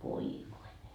voi voi